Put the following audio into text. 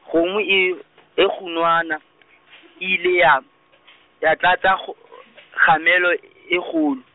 kgomo e , e kgunwana , e ile ya, ya tlatsa kgo- , kgamelo, kgolo.